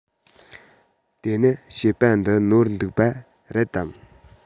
དེ ན བཤད པ འདི ནོར འདུག པ རེད དམ